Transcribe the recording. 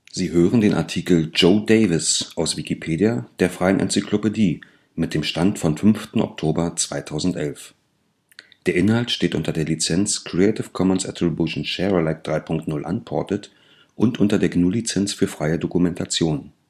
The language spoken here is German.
Sie hören den Artikel Joe Davis (Billardspieler), aus Wikipedia, der freien Enzyklopädie. Mit dem Stand vom Der Inhalt steht unter der Lizenz Creative Commons Attribution Share Alike 3 Punkt 0 Unported und unter der GNU Lizenz für freie Dokumentation